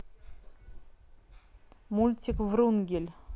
мультик врунгель